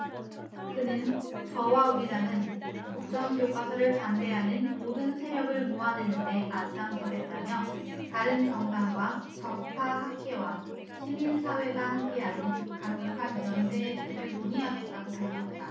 그는 저와 우리 당은 국정교과서를 반대하는 모든 세력을 모아내는 데 앞장서겠다며 다른 정당과 정파 학계와 시민사회가 함께하는 강력한 연대의 틀을 논의하겠다고 밝혔다